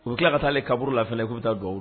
U tila ka taalen kaburu lafɛ k' bɛu taa dugawu